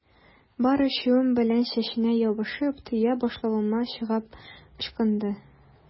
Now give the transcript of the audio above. Бар ачуым белән чәченә ябышып, төя башлавыма чыгып ычкынды.